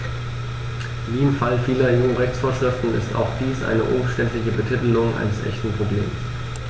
Wie im Fall vieler EU-Rechtsvorschriften ist auch dies eine umständliche Betitelung eines echten Problems.